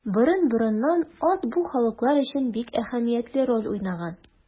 Борын-борыннан ат бу халыклар өчен бик әһәмиятле роль уйнаган.